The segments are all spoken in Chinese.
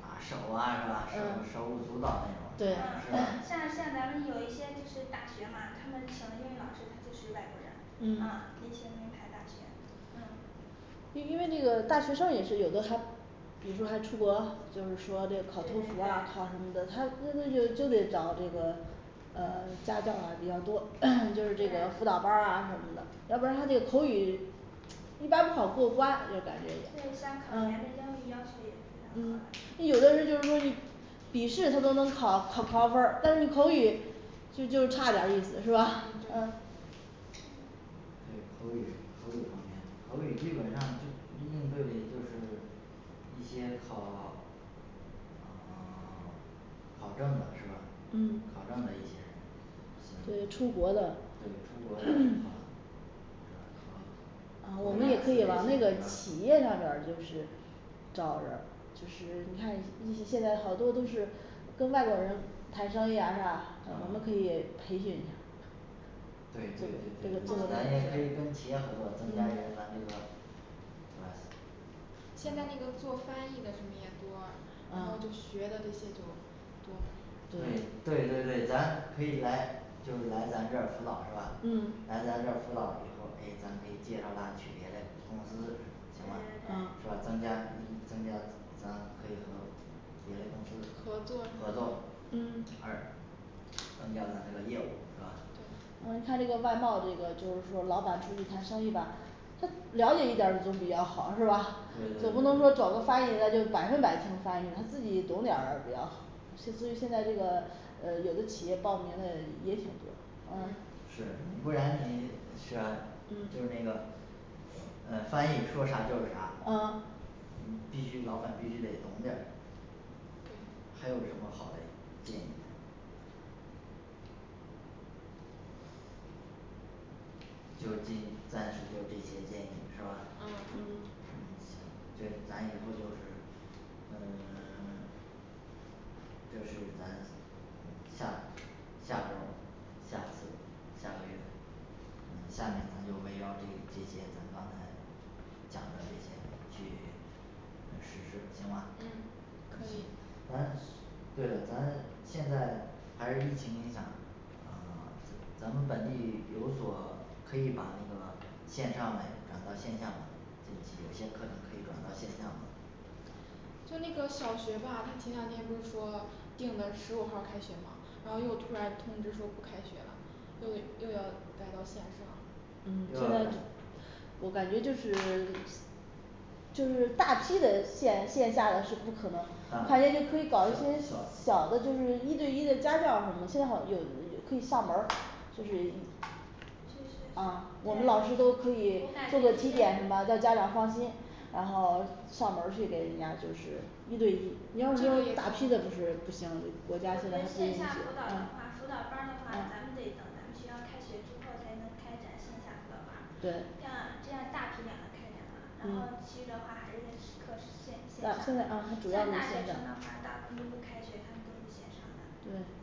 啊手啊是吧手嗯手语辅导那种对像像咱们有一些就是大学嘛，他们请了英语老师他就是外国人啊都嗯是名牌大学嗯因 因为那个大学生也是有的，他比如说还出国，就是说这个考托福啊考什么的，他那就有就得找这个呃家教啊比较多， 就是这个辅对导班儿啊什么的要不然他这口语一般不好过关，就感觉就也有是他呃感觉英语嗯要那比有的人就是说你笔试他都能考考高分儿，但是口语就就差点儿意思是吧嗯？对口语口语方面的，口语基本上面应对就是一些考啊， 考证的是吧嗯考证的一些对出国的 对出国的啊我们也可以往那个企业上面儿就是招人儿，就是你看一些现在好多都是跟外国人谈生意啊是吧？啊我们可以培训一下对对对对这对个做的咱那个培训对生提嗯交的时候专家跟咱那个哪里现在那个啊做翻译的特别多，然后就啊学了这些东西对对对对对对？咱可以来就是来咱这儿辅导是吧嗯来咱这儿辅导时候可以咱可以介绍他去别嘞公司。行吧？就呃增加增加咱可以和有些公司合合作作一嗯块儿增加咱这个业务是吧呃你看这个外贸这个就是说老板出去谈生意吧，他了解一点儿总比较好对对是吧总不能说找个翻译，那就百分百听翻译，他自己懂点儿比较好就所以现在这个呃有的企业报名的也挺多呃是，不然你是吧就是那个嗯呃翻译说啥就是啥呃，你必须老板必须得懂点儿还有什么好的建议没就近期咱去做这些建议是吧？嗯嗯。 对咱以后就是呃 就是咱下下功夫。 下个月下个月下面咱就围绕这这些咱刚才讲的这些去实施行吧更新咱对了，咱现在还是疫情影响呃 咱们本地有所可以把那个线上嘞转到线下嗯，有些课程可以转到线上。就那个小学吧前两天不是说定个十五号儿开学吗？然后又突然通知说不开学了，要得又要改到线上呃现在我感觉就是 就是大批的线线下的是不可能咱们就可以搞一些小的就是一对一的家教什么，最好有可以上门儿就是一啊我们老师都可以做个体检什么让家长放心，然后上门儿去给人家就是一对一，你要是说大批的不是不行国家现在我觉得还不线允许下啊辅导啊的话辅导班儿的话咱们自己能咱们学校开学，开学能开展线下辅导班对儿像像大学然嗯后后期的话还是课时限呃都现在采呃他取主线要是上对线上对大学生就毕都业采取生线上咱对那大学生就毕业都生采取线咱那上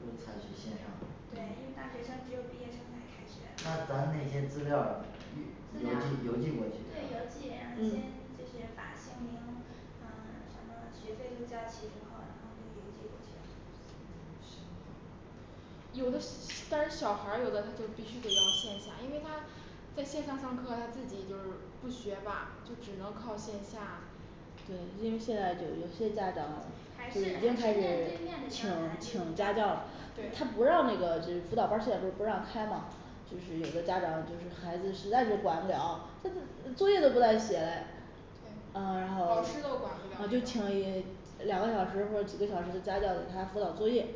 都采取线上对因为大学生只有毕业生开始那咱那些资料儿自己对邮呀寄对邮邮寄寄过去先嗯就是把姓名嗯学费都交齐之后然后邮寄过去嗯有的但是小孩儿有的他就必须得到线下，因为他在线上上课他自己就是不学嘛，就只能靠线下对，因为现在就有些家长还是是面已经开对始面比较请请家教好了。他不让那个这辅导班儿现在不是不让开吗？就是有的家长就是孩子实在是管不了，他的作业都不带写嘞呃然后老师都管不啊就了请了一两个小时或者几个小时的家教给他辅导作业。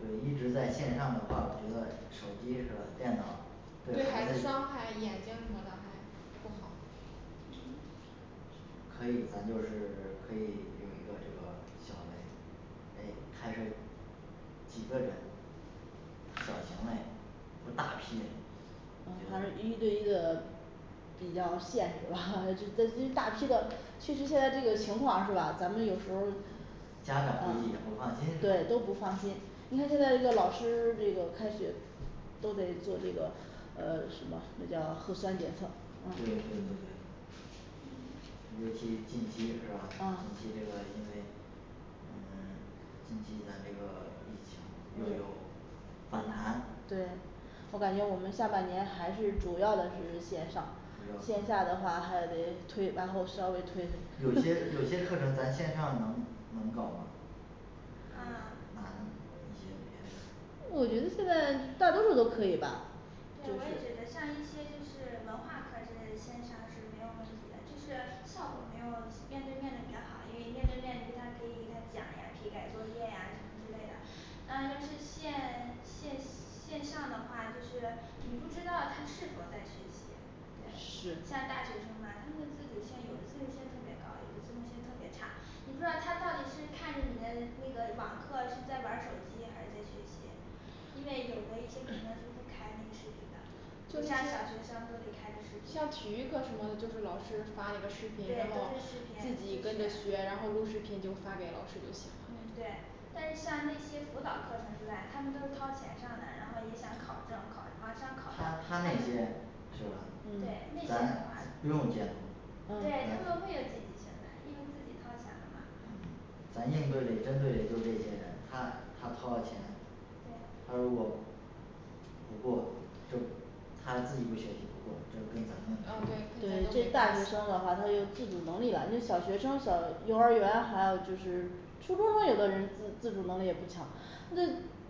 对一直在线上的话，我觉得手机是吧电脑对对孩孩子子伤害眼睛什么的可以咱就是 可以举行一个这个小嘞呃还是几个人？小型嘞不大批嘞嗯反正一对一的比较现实吧， 就本身大批的确实现在这个情况是吧，咱们有时候儿家长估计也不放心啊对对都不放心你看现在这个老师这个开学都得做这个呃什么那叫核酸检测呃嗯尤其近期是吧近啊期这个因为嗯 近期咱这个疫情又有反弹对。我感觉我们下半年还是主要的是线上，线下的话还得推然后稍微推推有些有些课程咱线上能能够啊我觉得现在大多数都可以吧就我也觉得像一些就是是文化课之类线上就是没有什么，就是效果面对面比较好因为面对面给他可以跟他讲呀批改作业啊什么之类的然后要是线线线上的话，就是你不知道他是否在学习。是像大学生啊他们的自主性有的自主性特别高，有的自主性特别差你不知道他到底是看着你的那个网课是在玩儿手机还是在学习，因为有的一些可能不开那个视频的，就像小学生就不开视频像体育课什么就是老师发那个视对频，然都后是视自频己跟嗯着学，然后录视频就发给老师就行对。但是像那些辅导课程例外，他们都掏钱上的，然后也想考证儿考什么他他那些是吧？嗯对那个的话对就是说那个啊咱不用见咱因为自己掏钱了嘛咱应对的针对的就是这些人，他他掏了钱，他如果不过就他自己不学习，不过就跟咱啊们对对这大学生的话，他有自主能力了，就小学生小幼儿园还有就是初中生，有的人自自主能力也不强那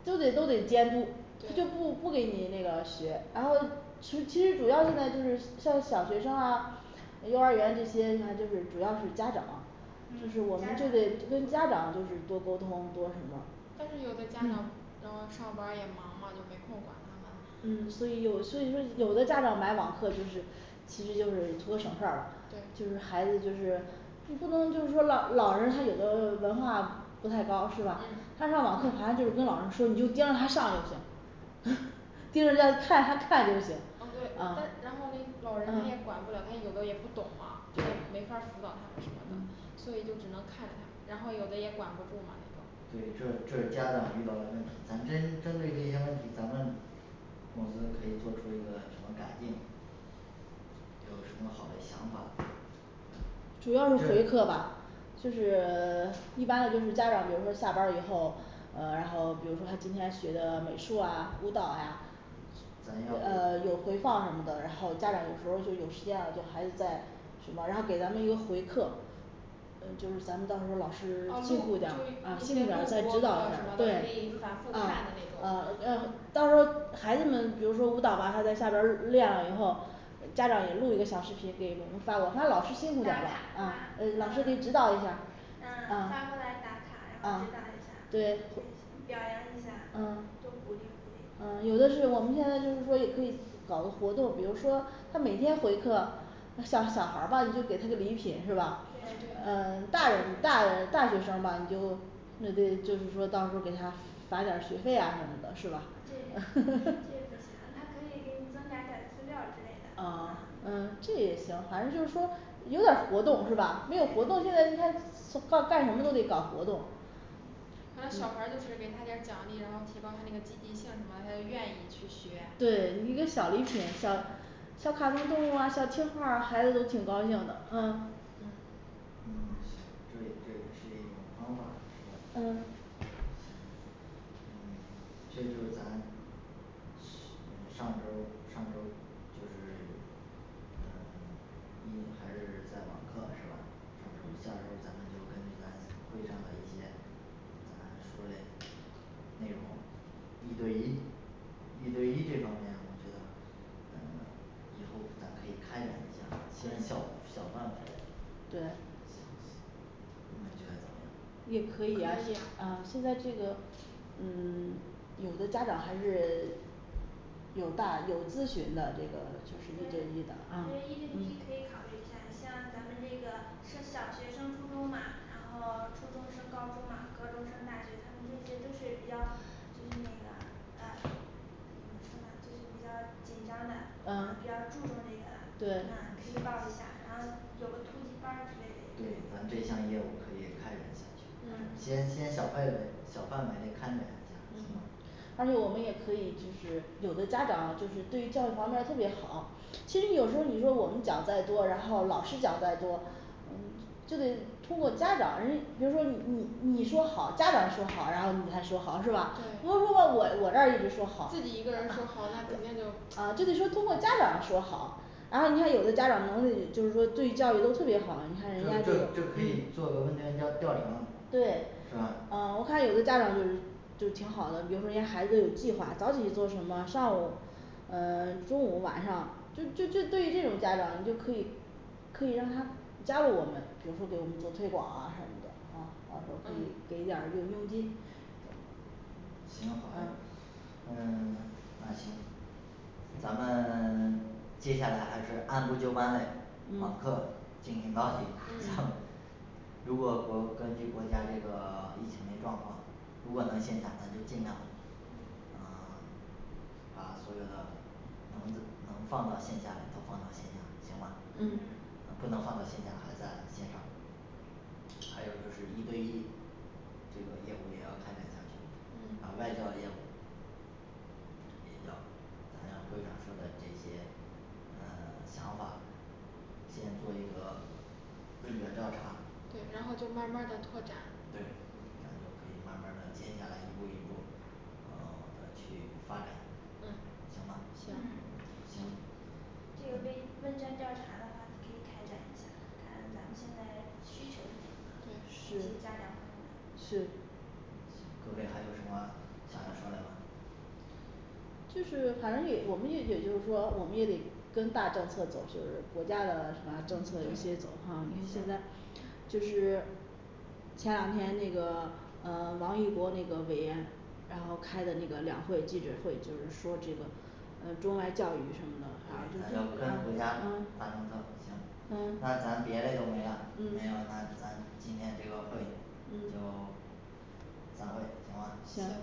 就得都得监督他就不不给你那个学，然后其实其实主要现在就是像小学生啊，幼儿园这些呢主要是家长就是我们就得跟家长家长就是多沟通多什么但是有的家长然后上班儿也忙嘛就没空管他们嗯所以有所以说有的家长买网课就是，其实就是图个省事儿了就是孩子就是你不能就是说老老人他有的文化不太高是吧？嗯他上网课反正就是跟老师说，你就盯着他上就行 盯着人家看他看就行啊对啊，然后那个老人也啊管不了他有的也不懂嘛，没对法儿去管了，嗯所以只能看然后有的也管不住嘛对，这这是家长遇到的问题，咱针针对这些问题，咱们公司可以做出一个什么改进，有什么好嘞想法主要是回课吧，就是 一般的就是家长比如说下班儿以后，呃然后比如说他今天学的美术啊舞蹈呀呃有回放什么的，然后家长有时候就有时间了，就孩子在什么，然后给咱们一个回课呃就是咱们到时候儿老师辛苦点儿，啊辛苦点儿再指导一下儿，对啊啊呃到时候孩子们比如说舞蹈吧，他在下边儿练了以后嗯家长也录一个小视频给我们发过来，反正老师辛苦点儿吧嗯呃老师给指导一下儿嗯发过来老嗯师对表扬一下嗯多鼓励鼓励嗯啊有的是我们现在就是说也可以搞个活动，比如说他每天回课，啊像小孩儿吧你就给他个礼品是吧？呃大人大人大学生儿吧你就那得就是说到时候儿给他返点儿学费啊什么的是吧？对 你就可以多买点儿资料之类的啊嗯这也行，反正就是说有点儿活动是吧？没有活动现在你看是 告 干什么都得搞活动然后小嗯孩儿就是给他点儿奖励然后提高他那个积极性什么的，他就愿意去学对一个小礼品小小卡通动物儿啊小贴画儿啊孩子都挺高兴的嗯嗯行这也这也是一种方法是吧嗯嗯这就是咱是 上周儿上周儿就是嗯你还是在网课是吧等下周咱们就根据咱这个会上的一些咱说嘞内容一对一，一对一这方面我觉得呃以后咱可以开展一下先小小范围嘞对你觉得怎么样也可以啊就啊现在这个嗯 有的家长还是有大有咨询的这个，就是一对一的就啊是一对一的，你可嗯以考虑一下，像咱们这个是小学升初中嘛，然后初中升高中嘛，高中升大学他们这些都是比较嗯那个呃是就是比较紧张的比呃较注重那个对的去报一下，然后有个突击班儿之类的对，咱这项业务可以开展下去。先先小块的小范围嘞开展一下而且我们也可以就是有的家长就是对于教育方面儿特别好，其实有时候儿你说我们讲再多，然后老师讲再多，嗯就得通过家长，人家比如说你你说好家长说好然后你才说好是吧如如果我我这儿一直说好啊自己一个人儿说好吗那啊肯定就就得说通过家长说好，然后你看有的家长能就是说对教育都特别好，你看人家这这这个这可以做个问卷调调查嗯对是吧啊我看有的家长就是就是挺好的，比如说人家孩子都有计划早起去做什么上午呃 中午晚上就就这对于这种家长你就可以可以让他加入我们，比如说给我们做推广啊什么的啊，到时候可以给一点儿佣佣金行好嘞嗯。呃 那那行咱们 接下来还是按部就班嘞。网嗯课进行到底然后嗯如果国根据国家这个疫情的状况，如果能线下咱就尽量呃把所有的能的 能放到线下嘞都放到线下行吧嗯呃不能放到线下还在线上，还有就是一对一，这个业务也要开展下去然后外教也也要咱在会上说的这些呃想法，先做一个问卷儿调查对，然后就慢慢儿的拓展对咱就可以慢慢的接下来一步一步呃 去发展嗯行吧行嗯行这个对问卷调查的话就可以开展一下，看看咱们现在需求是什么是这些家长朋友是们各位还有什么想要说嘞吗就是反正也我们也也就是说我们也得跟大政策走，就是国家的什么政策一些走，哈因为现在就是前两天那个呃王玉国那个委员然后开的两会记者会就是说这个呃中外教育什么的啊就咱要跟中着国家啊发展政策项嗯嗯嗯那咱别嘞都没啦没有了今天这个会就散会嗯行行吗